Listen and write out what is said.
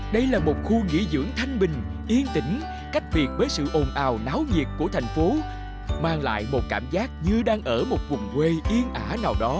đây là một khu nghỉ dưỡng thanh bình yên tĩnh cách biệt với sự ồn ào náo nhiệt của thành phố mang lại một cảm giác như đang ở một vùng quê yên ả nào đó